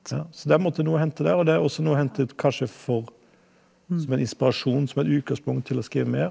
ja så det er på en måte noe å hente der og det er også noe å hente kanskje for som en inspirasjon, som et utgangspunkt til å skrive mer.